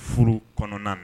Foro kɔnɔna na